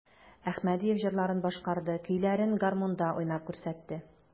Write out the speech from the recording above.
Әхмәдиев җырларын башкарды, көйләрен гармунда уйнап күрсәтте.